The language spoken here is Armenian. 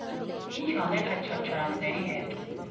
Ի՞նչ անել այդ չարչարանքների հետ։